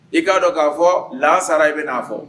I k'a dɔn k'a fɔ lasara i bɛ n'a fɔ